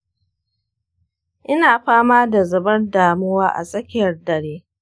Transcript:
ina fama da zufar damuwa a tsakkiyar dare.